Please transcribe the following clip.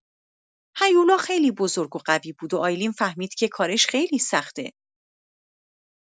هیولا خیلی بزرگ و قوی بود و آیلین فهمید که کارش خیلی سخته.